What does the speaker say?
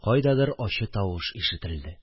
Кайдадыр ачы тавыш ишетелде